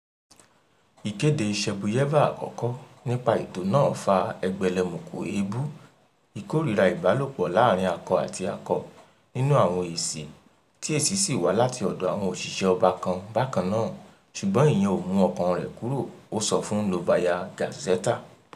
Ìkéde Shebuyeva àkọ́kọ́ nípa ètò náà fa ẹgbẹlẹmùkù èébú ìkórìíra-ìbálòpọ̀-láàárín-akọ́-àti-akọ nínú àwọn èsì, tí èsì sì wá láti ọ̀dọ̀ àwọn òṣìṣẹ́ ọba kan bákan náà, ṣùgbọ́n ìyẹn ò mú ọkàn-an rẹ̀ kúrò, ó sọ fún Novaya Gazeta.